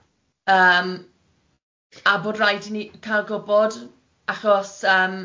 Yym a bod rhaid i ni cal gwbod achos yym